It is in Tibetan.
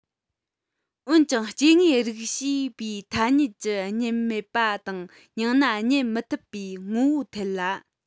འོན ཀྱང སྐྱེ དངོས རིགས ཞེས པའི ཐ སྙད ཀྱི རྙེད མེད པ དང ཡང ན རྙེད མི ཐུབ པའི ངོ བོའི ཐད ལ